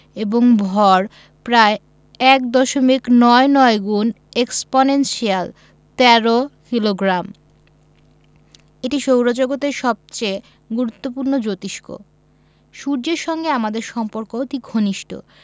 এবং ভর প্রায় এক দশমিক নয় নয় গুন এক্সপনেনশিয়াল ১৩ কিলোগ্রাম এটি সৌরজগতের সবচেয়ে গুরুত্বপূর্ণ জোতিষ্ক সূর্যের সঙ্গে আমাদের সম্পর্ক অতি ঘনিষ্ট